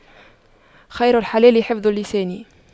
خير الخلال حفظ اللسان